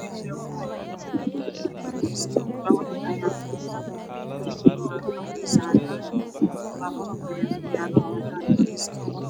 Meeshaan waxaa yaalo sadex gursi labo nin ayaa fadhiso kursi waa qaxwi iyo cadaan laabtoob ayaa agyaalo